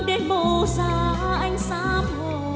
để mầu da anh xám hồng